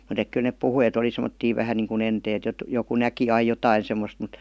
mutta että kyllä ne puhui että oli semmoisia vähän niin kuin enteet - joku näki aina jotakin semmoista mutta